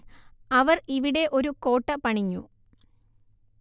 അവര്‍ ഇവിടെ ഒരു കോട്ട പണിഞ്ഞു